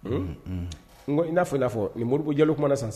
Un n in n'a f fɔ nin moriɔri jeliw kuma na sisan